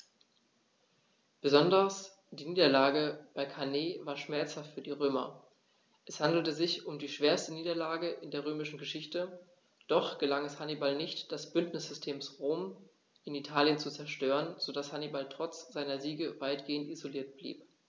Besonders die Niederlage bei Cannae war schmerzhaft für die Römer: Es handelte sich um die schwerste Niederlage in der römischen Geschichte, doch gelang es Hannibal nicht, das Bündnissystem Roms in Italien zu zerstören, sodass Hannibal trotz seiner Siege weitgehend isoliert blieb.